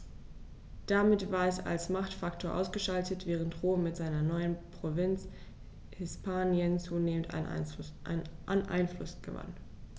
Damit war es als Machtfaktor ausgeschaltet, während Rom mit seiner neuen Provinz Hispanien zunehmend an Einfluss gewann.